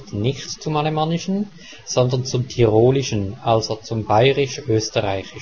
nicht zum Alemannischen, sondern zum Tirolischen, also zum Bairisch-Österreichischen